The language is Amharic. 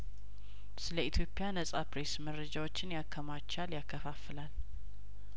ስለኢትዮጵያ ነጻ ፕሬስ መረጃዎችን ያከማቻል ያከፋፍላል